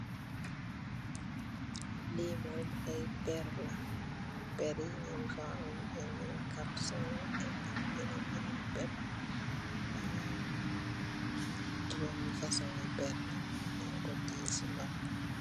Lii mom ay per la, per yi ñu ngi am ay kapsool ak yenen. Juroomi fasoñg i per la, ñung ko tiye si loxo.